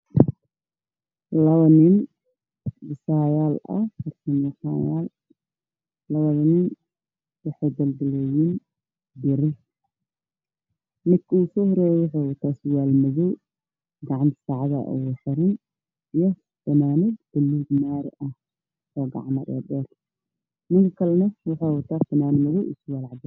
Waa labo nin oo dhisaayaal ah mid ka ugu soo horeeyo waxuu wataa surwaal madow ah gacanta saacad ayaa ugu xiran iyo fanaanad buluug maari ah oo gacmo dheer ah midka kalana waxuu wataa fanaanad madow iyo surwaal cadeys ah.